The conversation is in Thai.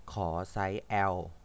ขอไซส์แอล